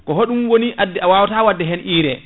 ko hoɗum woni addi a wawata hen IRE